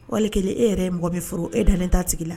Wali kɛlen e yɛrɛ ye mɔgɔ bɛ furu e dalen ta sigi la